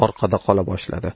orqada qola boshladi